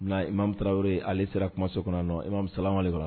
Mɛ i mami yɔrɔ ale sera kumaso kɔnɔ nɔ ma sawale kɔnɔ